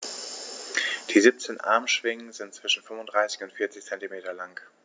Die 17 Armschwingen sind zwischen 35 und 40 cm lang.